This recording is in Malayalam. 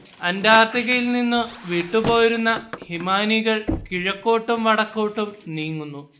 അന്റാർട്ടിക്കിൽനിന്നു വിട്ടുപോരുന്ന ഹിമാനികൾ കിഴക്കോട്ടും വടക്കോട്ടും നീങ്ങുന്നു